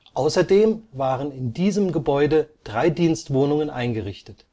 Außerdem waren in diesem Gebäude drei Dienstwohnungen eingerichtet